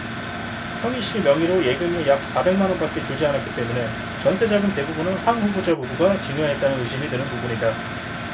성희씨 명의의 예금이 약 사백 만원밖에 줄지 않았기 때문에 전세자금 대부분을 황 후보자 부부가 증여했다는 의심이 드는 부분이다